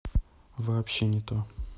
вообще не то